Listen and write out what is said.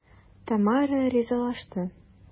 Тамара ризалашты.